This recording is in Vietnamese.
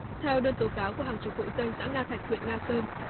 theo đơn tố cáo của hàng chục hộ dân xã nga thạch huyện nga sơn